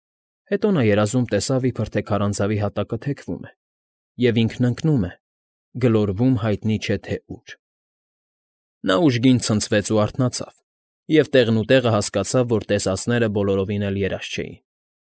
Հետո նա երազում տեսավ իբր թե քարանձավի հատակը թեքվում է, և ինքն ընկնում է, գլորվում հայտնի չէ թե ուր… Նա ուժգին ցնցվեց ու արթնացավ և տեղնուտեղը հասկացավ, որ տեսածները բոլորովին էլ երազ չէին։